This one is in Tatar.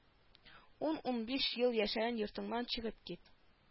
Ун-унбиш ел яшәгән йортыңнан чыгып кит